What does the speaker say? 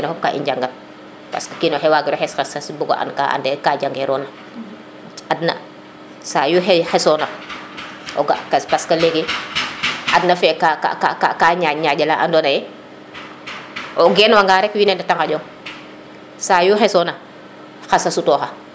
kene fop ka i njagan parce o kino xe wagiro xes xes bugo an ka jangerona ad na saayu xesona o ga qas parce que leegi adna fe ka ka ñaƴ a ñaƴa la ando naye o geen wanga rek winwe ndeta ŋaƴoŋ sayu xesona qasa sutoxa